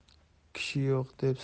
kishi yo'q deb